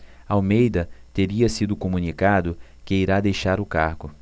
almeida teria sido comunicado que irá deixar o cargo